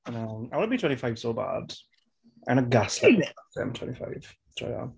I know, I wanna be twenty five so bad. I'm gonna gaslight people that I'm twenty five. Joio.